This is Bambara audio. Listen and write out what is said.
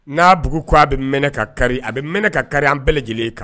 N'a bugu ko a bɛ m ka kari a bɛ m ka kari an bɛɛ lajɛlen kan